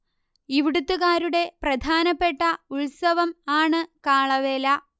ഇവിടുത്തുകാരുടെ പ്രധാനപ്പെട്ട ഉത്സവം ആണ് കാളവേല